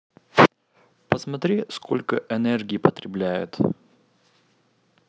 посмотри сколько энергии потребляет